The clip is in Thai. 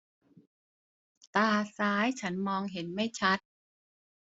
ตาซ้ายฉันมองเห็นไม่ชัด